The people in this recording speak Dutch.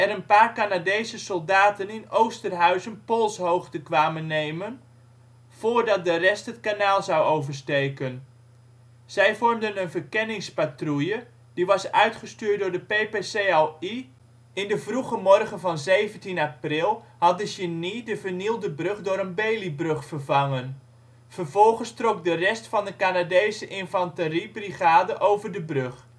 een paar Canadese soldaten in Oosterhuizen poolshoogte kwamen nemen, voordat de rest het kanaal zou oversteken. Zij vormden een verkenningspatrouille, die was uitgestuurd door de PPCLI. In de vroege morgen van 17 april had de genie de vernielde brug door een ‘Baileybrug’ vervangen. Vervolgens trok de rest van de Canadese infanterie brigade over de brug